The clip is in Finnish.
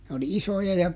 ne oli isoja ja